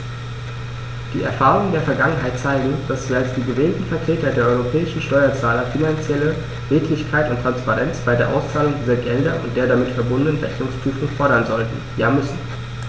Die Erfahrungen der Vergangenheit zeigen, dass wir als die gewählten Vertreter der europäischen Steuerzahler finanzielle Redlichkeit und Transparenz bei der Auszahlung dieser Gelder und der damit verbundenen Rechnungsprüfung fordern sollten, ja müssen.